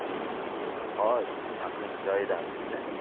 hoy aqling joyidami seni